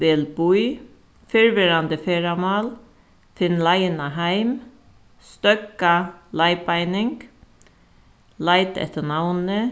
vel bý fyrrverandi ferðamál finn leiðina heim støðga leiðbeining leita eftir navni